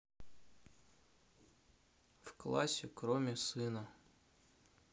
в классе кроме сына